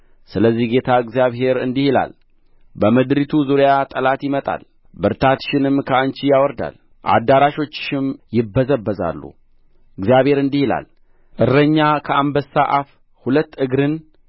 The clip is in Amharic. ስለዚህ ጌታ እግዚአብሔር እንዲህ ይላል በምድሪቱ ዙሪያ ጠላት ይመጣል ብርታትሽንም ከአንቺ ያወርዳል አዳራሾችሽም ይበዘበዛሉ እግዚአብሔር እንዲህ ይላል እረኛ ከአንበሳ አፍ ሁለት እግርን